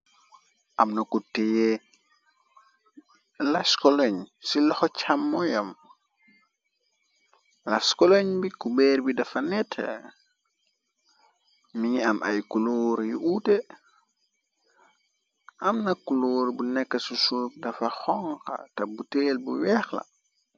Amna kutee leskoloñ ci loxo càm moyom las koloñ bi ku beer bi dafa nete. Mi ngi am ay kuloor yu uute. Amna kuloor bu nekk su soog dafa xonga ta bu teel bu weex la.